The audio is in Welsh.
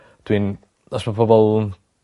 dwi'n os 'ma pobol 'n